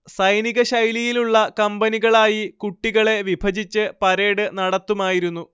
സൈനികശൈലിയിലുള്ള കമ്പനികളായി കുട്ടികളെ വിഭജിച്ച് പരേഡ് നടത്തുമായിരുന്നു